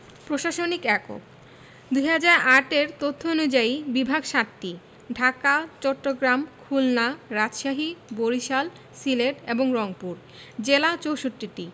প্রশাসনিক এককঃ ২০০৮ এর তথ্য অনুযায়ী বিভাগ ৭টি ঢাকা চট্টগ্রাম খুলনা রাজশাহী বরিশাল সিলেট এবং রংপুর জেলা ৬৪টি